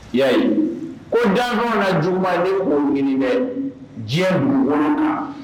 Ya ko janfa na juguba ni ko ɲini dɛ diɲɛ dugu wɛrɛ kan